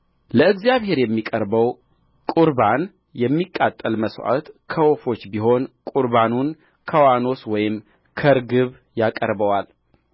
ለእግዚአብሔርም የሚቀርበው ቍርባን የሚቃጠል መሥዋዕት ከወፎች ቢሆን ቍርባኑን ከዋኖስ ወይም ከርግብ ያቀርባል